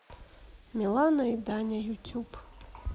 милана и даня ютуб